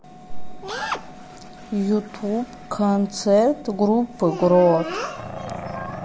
ютуб концерт группы грот